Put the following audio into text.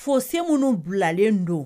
Fo se minnu bilalen don